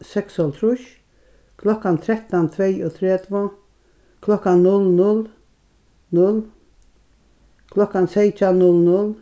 seksoghálvtrýss klokkan trettan tveyogtretivu klokkan null null null klokkan seytjan null null